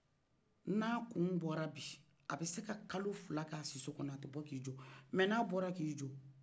n'a kun bɔla bi a be se ka kalo fila kɛ a si so kɔnɔ a te bɔ k'i jɔ mɛ n'a bɔla k'e jɔ